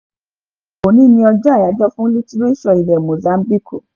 Òní ni ọjọ́ àyájọ́ fún Litiréṣọ̀ ilẹ̀ Mozambique.